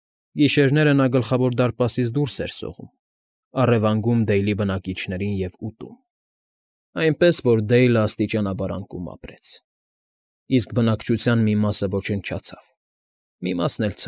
Գիշերները նա Գլխավոր դարպասից դուրս էր սողում, առևանգում Դեյլի բնակիչներից և ուտում, այնպես որ Դեյլը աստիճանաբար անկում ապրեց, իսկ բնակչության մի մասը ոչնչացավ, մի մասն էլ։